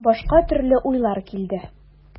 Башка төрле уйлар килде.